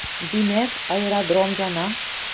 Димәк, аэродром яна.